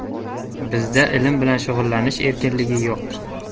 bizda ilm bilan shug'ullanish erkinligi yo'q